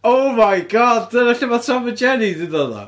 Oh my God! Dyna lle mae Tom and Jerry 'di dod o?